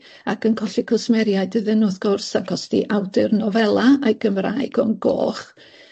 Ac yn colli cwsmeriaid iddyn nw, wrth gwrs, ac os 'di awdur nofela a'i Gymraeg o'n goch